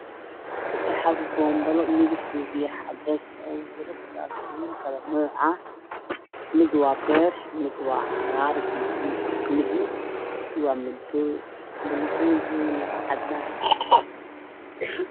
Waa carwo waxaa yaalla saakooyin dumar ah